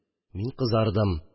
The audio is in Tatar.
Мин кызардым